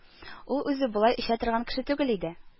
Ул үзе болай эчә торган кеше түгел иде